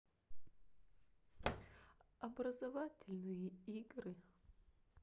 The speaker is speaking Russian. образовательные игры